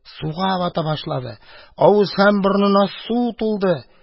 Суга бата башлады — авыз һәм борынына су тулды.